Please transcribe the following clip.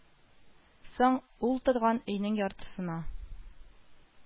Соң, ул торган өйнең яртысына